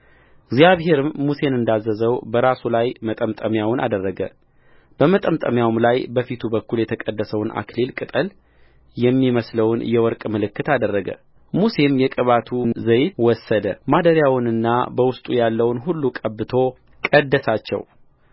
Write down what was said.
እግዚአብሔርም ሙሴን እንዳዘዘው በራሱ ላይ መጠምጠሚያውን አደረገ በመጠምጠሚያውም ላይ በፊቱ በኩል የተቀደሰውን አክሊል ቅጠል የሚመስለውን የወርቅ ምልክት አደረገሙሴም የቅብዓቱን ዘይት ወሰደ ማደሪያውንና በውስጡ ያለውን ሁሉ ቀብቶ ቀደሳቸው